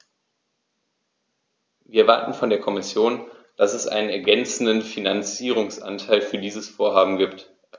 Wir erwarten von der Kommission, dass es einen ergänzenden Finanzierungsanteil für die Vorhaben gibt.